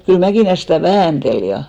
kyllä Mäkilä sitä väänteli ja